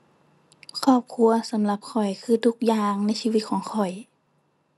ครอบครัวสำหรับข้อยคือทุกอย่างในชีวิตของข้อย